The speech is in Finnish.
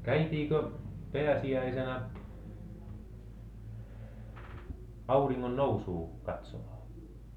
käytiinkö pääsiäisenä auringonnousua katsomaan